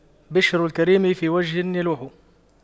بِشْرُ الكريم في وجهه يلوح